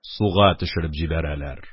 Суга төшереп җибәрәләр.